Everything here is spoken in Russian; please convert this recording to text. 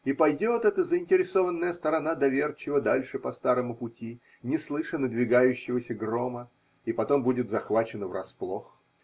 и пойдет эта заинтересованная сторона доверчиво дальше по старому пути, не слыша надвигающегося грома, и потом будет захвачена врасплох.